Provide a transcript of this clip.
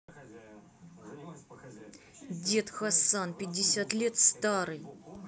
дед хасан пятьдесят лет старый